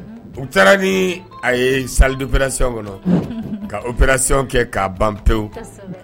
U taara ni a ye saliduɛrasi kɔnɔ ka oɛrasiy kɛ ka bantew